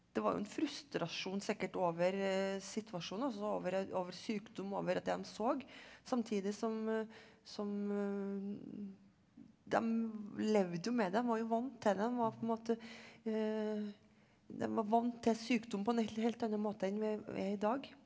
det var jo en frustrasjon sikkert over situasjonen altså over over sykdom over at det dem så, samtidig som som dem levde jo med det, dem var jo vant til det, dem var på en måte dem var vant til sykdom på en helt helt anna måte enn vi er i dag.